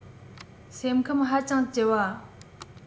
སེམས ཁམས ཧ ཅང ལྕི བ